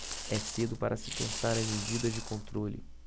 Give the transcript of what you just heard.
é cedo para se pensar em medidas de controle